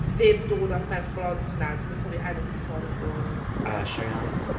ddim dod â'r merch blonde yna, dwi'm yn cofio enw hi. Sori, bod... Yym Cheyanne?